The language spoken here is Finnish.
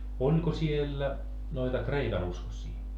oliko siellä noita kreikanuskoisia